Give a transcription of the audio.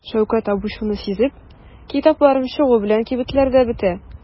Шәүкәт абый шуны сизеп: "Китапларым чыгу белән кибетләрдә бетә".